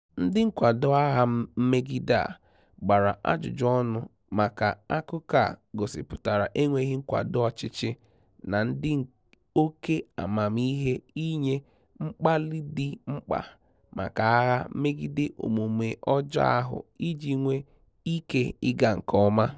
Ndị nkwado agha mmegide a gbara ajụjụ ọnụ maka akụkọ a gosipụtara enweghị nkwado ọchịchị na ndị oke amamiihe ịnye mkpali dị mkpa maka agha megide omume ọjọọ ahụ iji nwee ike ịga nke ọma.